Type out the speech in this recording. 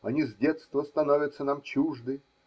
Они с детства становятся нам чужды.